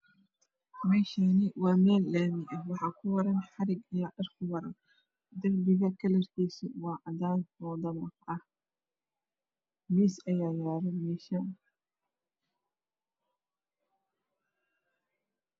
Meshani waa meel Laami ah waxakuwara xarag dharkuweran derbigakalarkisa waa cadan odabaqah miis ayaa yalo mesha